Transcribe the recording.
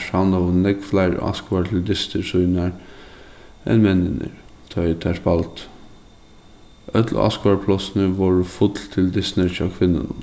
savnaðu nógv fleiri áskoðarar til dystir sínar enn menninir tá ið tær spældu øll áskoðaraplássini vóru full til dystirnar hjá kvinnunum